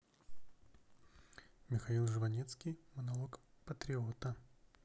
михаил жванецкий монолог патриота